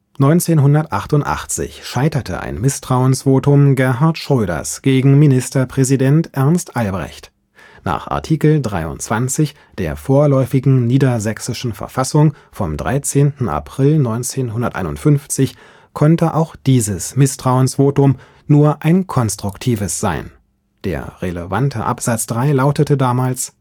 1988 scheiterte ein Misstrauensvotum Gerhard Schröders gegen Ministerpräsident Ernst Albrecht. Nach Artikel 23 der Vorläufigen Niedersächsischen Verfassung vom 13. April 1951 konnte auch dieses Misstrauensvotum nur ein konstruktives sein. Der relevante Absatz 3 lautete: Das